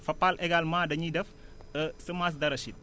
FAPAL également dañuy def semence d' arachide